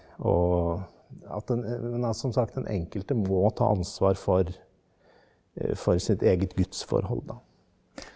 og at den som sagt den enkelte må ta ansvar for for sitt eget gudsforhold da.